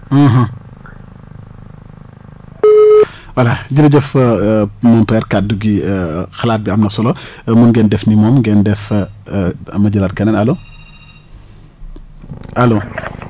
voilà jërëj£ef mon père kaddu gi xalaat bi am na solo mun ngeen def ni moom ngeen def ma jëlaat keneen allo allo